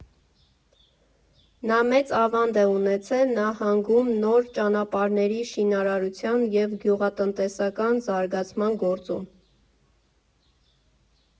Նա մեծ ավանդ է ունեցել նահանգում նոր ճանապարհների շինարարության և գյուղատնտեսության զարգացման գործում։